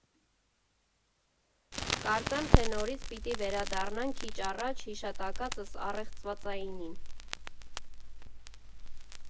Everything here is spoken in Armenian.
֊ Կարծեմ թե նորից պիտի վերադառնանք քիչ առաջ հիշատակածս առեղծվածայինին։